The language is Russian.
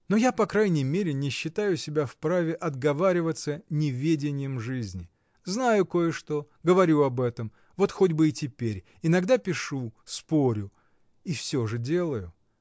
Но я, по крайней мере, не считаю себя вправе отговариваться неведением жизни — знаю кое-что, говорю об этом, вот хоть бы и теперь, иногда пишу, спорю — и всё же делаю.